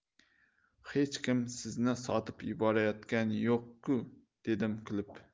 hech kim sizni sotib yuborayotgani yo'q ku dedim kulib